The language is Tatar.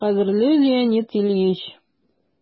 «кадерле леонид ильич!»